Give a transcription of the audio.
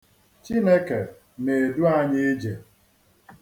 Chineke na-edu anyị ije.